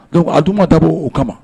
Donc a dun ma dabɔ o kama.